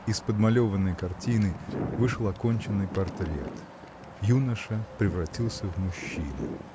Из подмалеванной картины вышел оконченный портрет. Юноша превратился в мужчину.